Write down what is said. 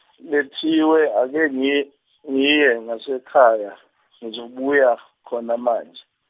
lethiwe ake ngi- ngiye ngasekhaya ngizobuya khona manje.